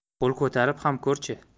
qo'l ko'tarib ham ko'r chi